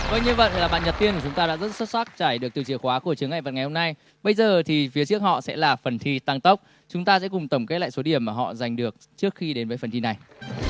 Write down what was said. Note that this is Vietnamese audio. vâng như vậy là bạn nhật tiên của chúng ta đã rất xuất sắc giải được từ chìa khóa của chướng ngại vật ngày hôm nay bây giờ thì phía trước họ sẽ là phần thi tăng tốc chúng ta sẽ cùng tổng kết lại số điểm mà họ giành được trước khi đến với phần thi này